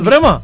vraiment